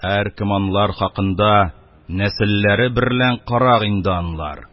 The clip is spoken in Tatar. Һәркем анлар хакында: — нәселләре берлән карак инде анлар...